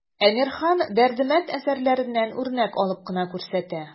Әмирхан, Дәрдемәнд әсәрләреннән үрнәк алып кына күрсәтә.